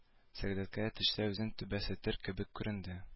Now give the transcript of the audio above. Сәгъдәткә дә төшсә үзен түбәнсетер кебек күренде